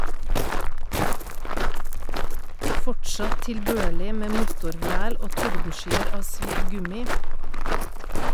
Fortsatt tilbørlig med motorvræl og tordenskyer av svidd gummi.